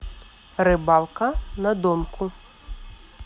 рыбалка на донку